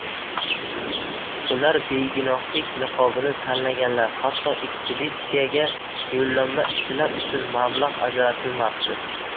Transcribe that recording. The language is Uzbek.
ular begunohlik niqobini tanlaganlar hatto ekspeditsiyaga yollanma ishchilar uchun mablag' ajratilmabdi